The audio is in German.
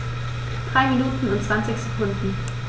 3 Minuten und 20 Sekunden